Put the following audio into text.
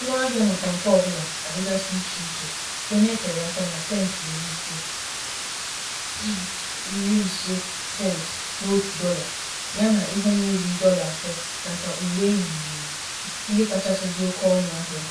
Ọnụ ahịa maka nke ọ bụla adịgasị iche ichenke n'eteghi aka na Sentị iri ise (50 cents) na otu Dọla ($1) ya na ihe na-erughi Dọla atọ ($3) maka uwe eyiri eyi ndị kachasị dị oke ọnụ ahia.